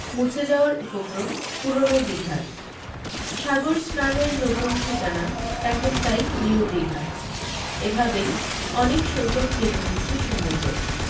মুছে যাওয়ার উপক্রম পুরনো দিঘার সাগর স্নানের নতুন ঠিকানা এখন তাই নিউ দিঘা এভাবেই অনেক সৈকত কেড়ে নিচ্ছে সমুদ্র